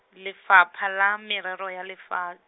Lefapha la Merero ya Lefat-.